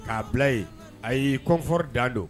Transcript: K'a bila yen a y'i kɔnf da don